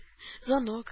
Звонок